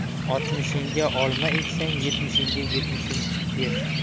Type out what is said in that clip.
oltmishingda olma eksang yetmishingda yemishin yersan